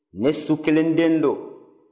ne su kelen den don